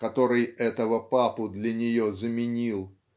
который этого папу для нее заменил